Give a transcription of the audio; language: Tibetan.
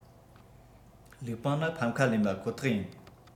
ལིའུ པང ནི ཕམ ཁ ལེན པ ཁོ ཐག ཡིན